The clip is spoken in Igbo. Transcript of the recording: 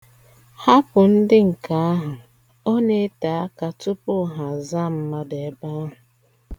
Hapụ ndị nke ahụ, ọ na-ete aka tupu ha zaa mmadụ ebe ahụ.